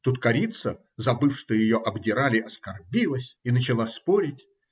Тут корица, забыв, что ее обдирали, оскорбилась и начала спорить.